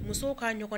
Muso k'a ɲɔgɔn